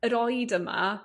yr oed yma